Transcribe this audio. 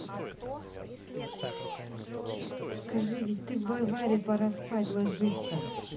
скажи ведь варваре пора спать ложиться